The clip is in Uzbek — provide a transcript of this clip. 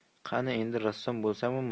qani endi rassom bo'lsamu